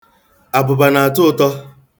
Abụba na-atọ ụtọ.